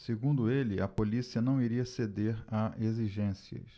segundo ele a polícia não iria ceder a exigências